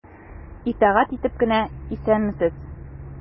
Итагать итеп кенә:— Исәнмесез!